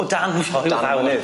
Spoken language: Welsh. O dan Foel Fawr. Dan mynydd.